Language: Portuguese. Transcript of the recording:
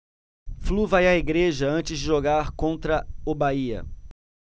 flu vai à igreja antes de jogar contra o bahia